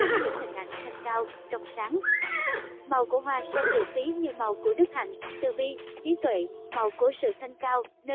những hình ảnh thanh cao trong sáng màu của hoa sen được ví như màu của đức hạnh từ bi trí tuệ màu của sự thanh cao nơi